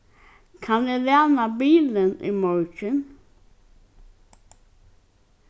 kann eg læna bilin í morgin